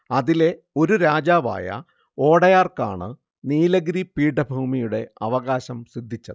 അതിലെ ഒരു രാജാവായ വോഡെയാർക്കാണ് നീലഗിരി പീഠഭൂമിയുടെ അവകാശം സിദ്ധിച്ചത്